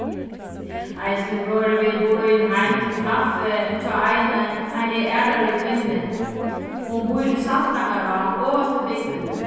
eisini vórðu vit boðin heim til kaffi hjá eini eini aðrari kvinnu hon býr í saltangará ovast í bygdini